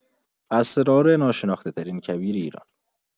اسرار ناشناخته‌ترین کویر ایران